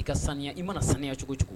I ka saniya i mana sanya cogo cogo